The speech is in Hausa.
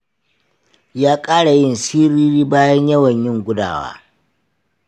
ya ƙara yin siriri bayan yawan yin gudawa.